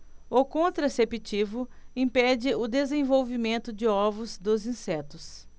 o contraceptivo impede o desenvolvimento de ovos dos insetos